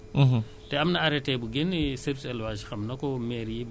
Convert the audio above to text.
ñu jox ko li muy defaree ba deux cent cinquante mille trois cent mille